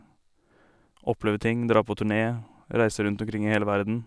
Oppleve ting, dra på turne, reise rundt omkring i hele verden.